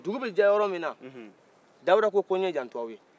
dugu bɛjɛ yɔrɔ min na dawuda k'o ye yan to aw ye